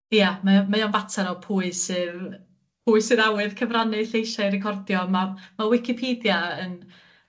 ia, mae o mae o'n fatar o pwy sydd pwy sydd awydd cyfrannu lleisia' i recordio, ma' ma' Wicipedia yn